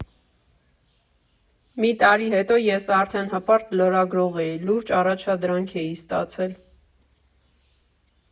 Մի տարի հետո ես արդեն հպարտ լրագրող էի, լուրջ առաջադրանք էի ստացել.